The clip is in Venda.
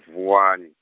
Vuwani.